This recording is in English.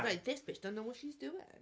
Right, this bitch don't know what she's doing.